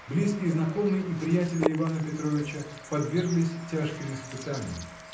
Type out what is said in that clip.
Близкие знакомые и приятели Ивана Петровича подверглись тяжким испытаниям.